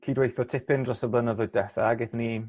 cydweitho tipyn dros y blynyddoedd detha a gethon ni